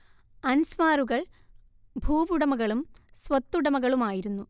അൻസ്വാറുകൾ ഭൂവുടമകളും സ്വത്തുടമകളുമായിരുന്നു